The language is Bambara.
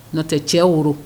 Natɛ cɛ woro